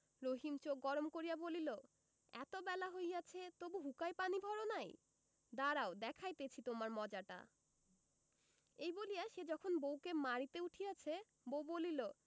রহিম চোখ গরম করিয়া বলিল এত বেলা হইয়াছে তবু হুঁকায় পানির ভর নাই দাঁড়াও দেখাইতেছি তোমায় মজাটা এই বলিয়া সে যখন বউকে মারিতে উঠিয়াছে বউ বলিল